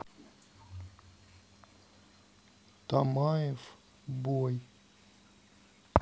тамаев бой